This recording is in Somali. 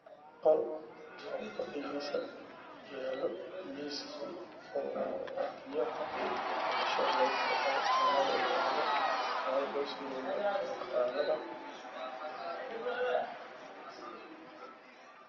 Qol weyn oo ku xeeran daah qaxwe ah waxaa yaalo armaajooyin waxaa yaalo miisaaska loogu talagalay cuntada fadhiya